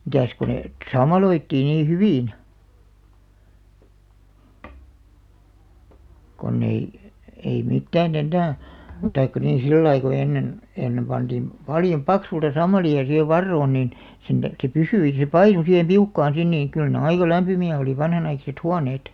mitäs kun ne - sammaloitiin niin hyvin kun ei ei mitään enää tai niin sillä lailla kun ennen ennen pantiin paljon paksulta sammalia siihen varoon niin sen tähden se pysyi se painui siihen piukkaan sinne niin kyllä ne aika lämpimiä oli vanhanaikaiset huoneet